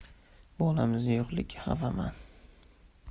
bolamiz yo'qligiga xafaman